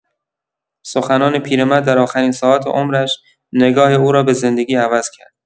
سخنان پیرمرد در آخرین ساعات عمرش، نگاه او را به زندگی عوض کرد.